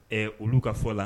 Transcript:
Ɛɛ olu ka fɔ la